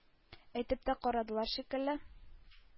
Әйтеп тә карадылар шикелле,